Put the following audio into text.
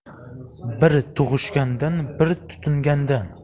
bir tug'ishgandan bir tutingandan